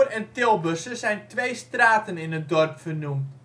en Tilbusscher zijn twee straten in het dorp vernoemd